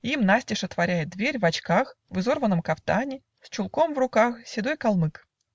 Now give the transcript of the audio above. Им настежь отворяет дверь, В очках, в изорванном кафтане, С чулком в руке, седой калмык.